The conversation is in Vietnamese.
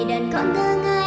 đời